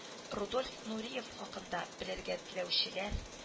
— рудольф нуриев хакында белергә теләүчеләр